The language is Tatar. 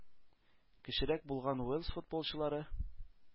Кечерәк булган уэльс футболчылары